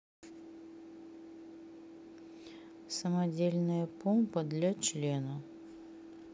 самодельная помпа для члена